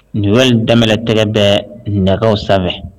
Nin daminɛ tɛgɛ bɛ nɛgɛw sanfɛ